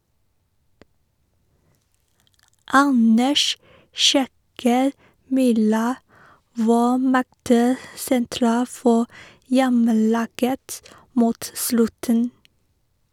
Anders Skiaker Myhra var meget sentral for hjemmelaget mot slutten.